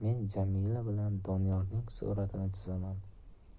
bilan doniyorning suratini chizaman